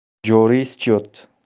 joriy schyot